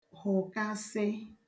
hụ̀kasị